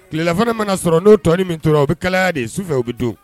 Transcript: Tilelafana mana sɔrɔ n'o toɔnin min tora u bɛ kalaya de sufɛ u bɛ don